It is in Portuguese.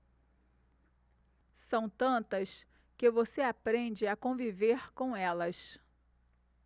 são tantas que você aprende a conviver com elas